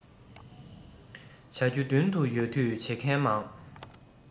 བྱ རྒྱུ མདུན དུ ཡོད དུས བྱེད མཁན མང